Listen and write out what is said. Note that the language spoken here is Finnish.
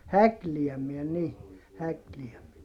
häklääminen niin häklääminen